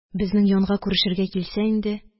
Безнең янга күрешергә килсә инде